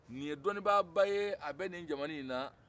nin ye dɔnnibaaba ye a bɛ nin jamana in na